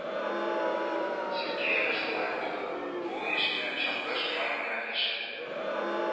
Сергеевна, шулай ук бу яшенә чаклы шома гына яшәде